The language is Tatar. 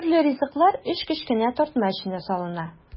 Төрле ризыклар өч кечкенә тартма эченә салына.